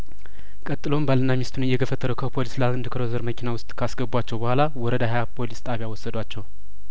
ቀጥሎም ባልና ሚስቱን እየገፈ ተሩ ከፖሊስ ላንድ ክሩዘር መኪና ውስጥ ካ ስገቧቸው በኋላ ወረዳ ሀያፖሊስ ጣቢያወሰዷቸው